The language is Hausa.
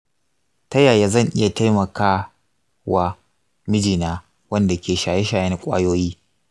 ta yaya zan iya taimaka wa mijina wanda ke shaye-shayen ƙwayoyi?